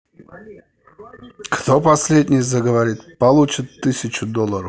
кто последний заговорит получит тысячу долларов